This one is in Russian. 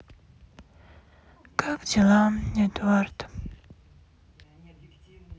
как дела эдуард